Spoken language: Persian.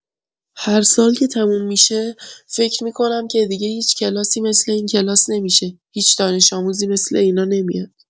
هر سال که تموم می‌شه، فکر می‌کنم که دیگه هیچ کلاسی مثل این کلاس نمی‌شه، هیچ دانش‌آموزی مثل اینا نمیاد!